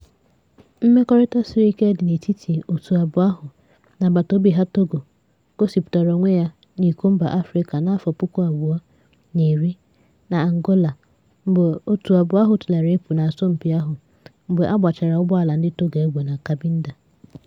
Mmekọrịta siri ike dị n'etiti òtù abụọ ahụ na agbataobi ha Togo gosịpụtara onwe ya n'Iko Mba Afrịka na 2010 na Angola mgbe òtù abụọ ahụ tụlere ịpụ n'asọmpi ahụ mgbe a gbachara ụgbọala ndị Togo egbe na Cabinda.